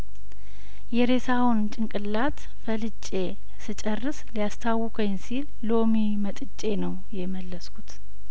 የሬሳውን ጭንቅላት ፈልጬ ስጨርስ ሊያስታውከኝ ሲል ሎሚ መጥጬ ነው የመለስኩት